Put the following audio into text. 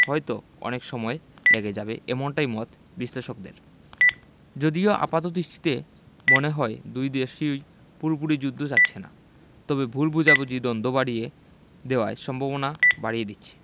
হয়তো অনেক সময় লেগে যাবে এমনটাই মত বিশ্লেষকদের যদিও আপাতদৃষ্টিতে মনে হয় দুই জাতিই পুরোপুরি যুদ্ধ চাচ্ছে না তবে ভুল বোঝাবুঝি দ্বন্দ্ব বাড়িয়ে দেওয়ার সম্ভাবনা বাড়িয়ে দিচ্ছে